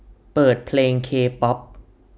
เปิดเพลงเคป๊อป